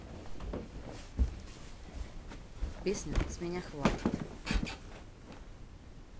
песня с меня хватит